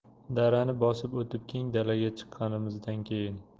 darani bosib o'tib keng dalaga chiqqanimizdan keyin